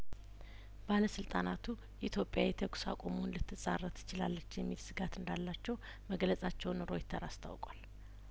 ባለስልጣናቱ ኢትዮጵያ የተኩስ አቁሙን ልትጻረር ትችላለች የሚል ስጋት እንዳላቸው መግለጻቸውን ሮይተር አስታውቋል